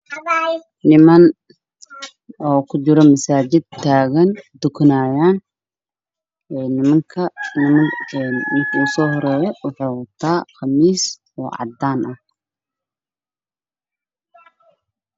Waa niman masaajidka ku jiraan oo tukanayaan oo saf ku jireen